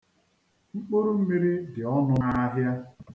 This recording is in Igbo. Mkpụrụmmiri dị ọnụ n'ahịa.